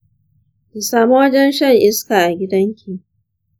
ki samu wajen shan iska a gidanki.